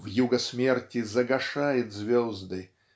вьюга смерти загашает звезды